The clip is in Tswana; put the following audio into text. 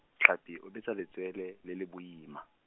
Tlhapi o betsa letswele, le le boima.